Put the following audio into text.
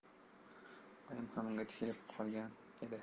oyim ham unga tikilib qolgan edi